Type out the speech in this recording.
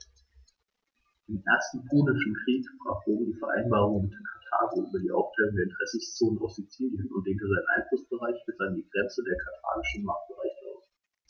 Im Ersten Punischen Krieg brach Rom die Vereinbarung mit Karthago über die Aufteilung der Interessenzonen auf Sizilien und dehnte seinen Einflussbereich bis an die Grenze des karthagischen Machtbereichs aus.